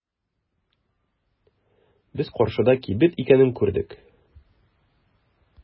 Без каршыда кибет икәнен күрдек.